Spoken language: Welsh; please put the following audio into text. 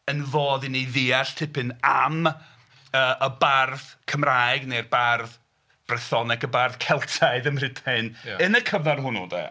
Yn fodd i ni ddeall tipyn am y y bardd Cymraeg, neu'r bardd Brythoneg, y bardd Celtaidd ym Mhrydain... ia. ...yn y cyfnod hwnnw de.